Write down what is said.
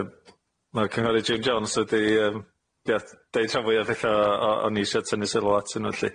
Yy ma' cynghorydd June Jones 'di yym 'di deud rhan fwya' o'r petha o o'n i isio tynnu sylw atyn n'w felly.